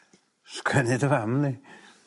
Sgwennu i dy fam di!